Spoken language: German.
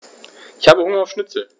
Ich habe Hunger auf Schnitzel.